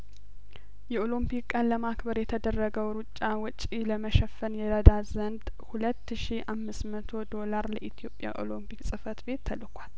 የኦሎምፒክ ቀን ለማክበር የተደረገው ሩጫ ወጪ ለመሸፈን ይረዳ ዘንድ ሁለት ሺ አምስት መቶ ዶላር ለኢትዮጵያ ኦሎምፒክ ጽፈት ቤት ተልኳል